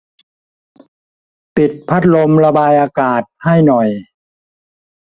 ปิดพัดลมระบายอากาศให้หน่อย